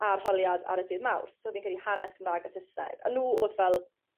a arholiad ar y dydd Mawrth so fi'n credu hanes Cymra'g a Sysneg. A n'w o'dd fel